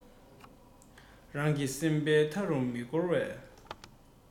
རང གི སེམས པའི མཐའ རུ མི སྐོར བའི